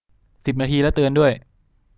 สิบนาทีแล้วเตือนด้วย